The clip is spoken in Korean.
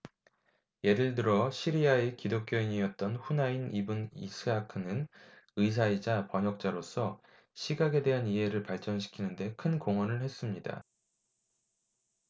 예를 들어 시리아의 기독교인이었던 후나인 이븐 이스하크는 의사이자 번역자로서 시각에 대한 이해를 발전시키는 데 큰 공헌을 했습니다